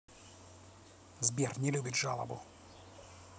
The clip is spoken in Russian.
сбер не любит жалобу